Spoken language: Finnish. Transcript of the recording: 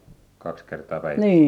kaksi kertaa päivässä